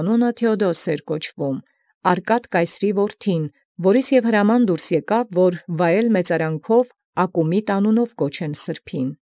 Անուն Թէոդոս կոչէին, որդի Արկադու կայսեր. ուստի և հրաման ելանէր՝ վայելուչ մեծարանաւք զՍուրբն՝ Ակումիտ անուն կոչելոյ։